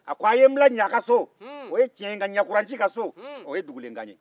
a ko aw ye n bila ɲa ka so o ye tiɲɛ ye nka ɲakuranci ka so o ye dugulen kan ye